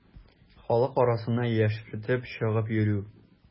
Халык арасына яшертен чыгып йөрү.